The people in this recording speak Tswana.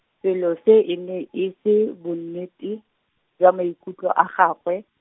selo se e ne e se bonnete, jwa maikutlo a gagwe.